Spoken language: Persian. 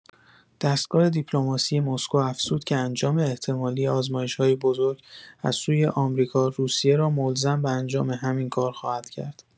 دستگاه دیپلماسی مسکو افزود که انجام احتمالی «آزمایش‌های بزرگ» از سوی آمریکا روسیه را «ملزم به انجام همین کار خواهد کرد».